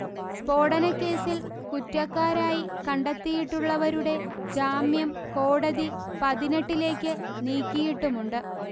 സ്ഫോടനക്കേസിൽ കുറ്റക്കാരായി കണ്ടെത്തിയിട്ടുള്ളവരുടെ ജാമ്യം കോടതി പതിനെട്ടിലേക്ക് നീക്കിയിട്ടുമുണ്ട്